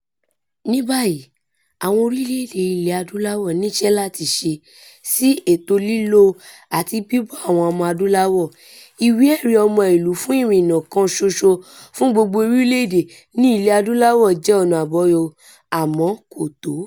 Níbàyìí, àwọn orílẹ̀-èdè Ilẹ̀-adúláwọ̀ níṣẹ́ láti ṣe sí ètò lílọ-àti-bíbọ̀ àwọn ọmọadúláwọ̀. Ìwé-ẹ̀rí-ọmọìlú-fún-ìrìnnà kan ṣoṣo fún gbogbo orílẹ̀-èdè ní Ilẹ̀-adúláwọ̀ jẹ́ ọ̀nà àbáyọ — àmọ́ kò tó.